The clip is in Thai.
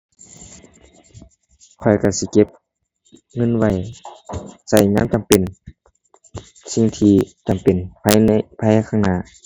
ข้อยก็สิเก็บเงินไว้ก็ยามจำเป็น สิ่งที่จำเป็นภายใน ภายในข้างหน้า